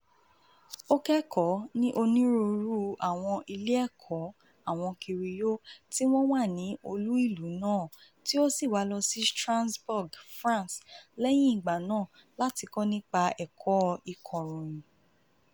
Ó kẹ́kọ̀ọ́ ní onírúurú àwọn ilé-ẹ̀kọ́ àwọn Kiriyó tí wọ́n wà ní olú-ìlú náà tí ó sì wá lọ sí Strasbourg, France lẹ́yìn ìgbà náà láti kọ́ nípa ẹ̀kọ́ ìkọ̀ròyìn.